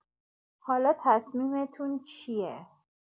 حالا تصمیمتون چیه؟